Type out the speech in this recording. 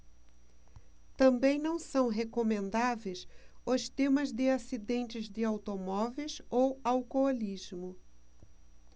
também não são recomendáveis os temas de acidentes de automóveis ou alcoolismo